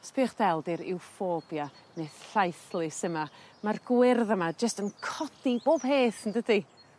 Sbiwch del 'di'r Euphorbia ne'r iw phobia neu Llaethlys yma ma'r gwyrdd yma jyst yn codi bob peth yndydi?